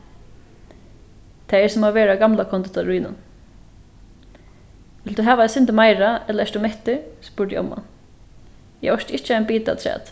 tað er sum at vera á gamla kondittarínum vilt tú hava eitt sindur meira ella ert tú mettur spurdi omman eg orki ikki ein bita afturat